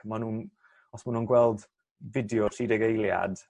ma' nw'n os ma' nw'n gweld fideo tri deg eiliad...